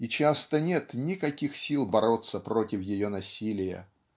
и часто нет никаких сил бороться против ее насилия.